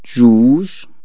جوج